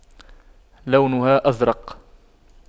لونها أزرق